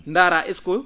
ndaaraa est que